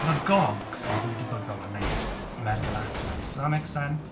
Ma' gogs yn fwy debygol o wneud American accents. Does that make sense?